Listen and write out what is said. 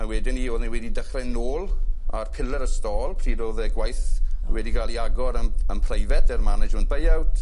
A wedi 'ny o' ni wedi dechre nôl a'r pillar y stôl pryd o'dd y gwaith... O. ...wedi ga'l 'i agor yn yn private yr management buy-out.